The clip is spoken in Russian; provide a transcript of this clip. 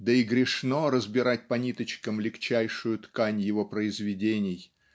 да и грешно разбирать по ниточкам легчайшую ткань его произведений